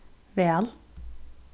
væl